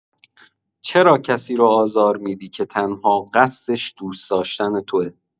چرا کسی رو آزار می‌دی که تنها قصدش دوست‌داشتن توئه؟